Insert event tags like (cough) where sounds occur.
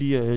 (hesitation) (hesitation)